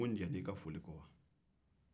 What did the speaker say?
n ko n jɛna i ka foli kɔ wa